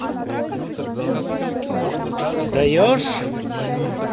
даешь